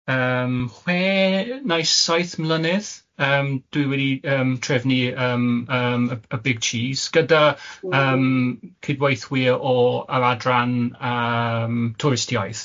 yym chwe neu saith mlynedd yym dwi wedi yym trefnu yym yym y Big Cheese gyda yym cydweithwyr o yr adran yym twristiaeth.